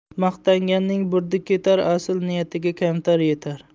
maqtanganning burdi ketar asl niyatiga kamtar yetar